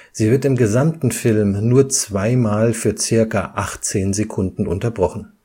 Sie wird im gesamten Film nur zweimal für circa 18 Sekunden unterbrochen